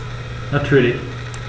Natürlich.